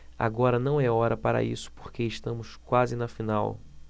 agora não é hora para isso porque estamos quase na final